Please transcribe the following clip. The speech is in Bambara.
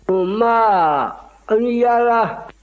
nba i ni yaala